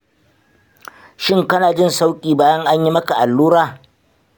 shin kana jin sauƙi bayan an yi maka allura?